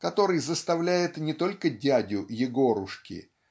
который заставляет не только дядю Егорушки